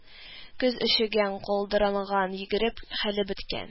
Кыз өшегән, калтыранган, йөгереп хәле беткән